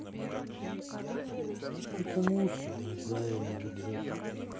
это муж себя неправильно ведет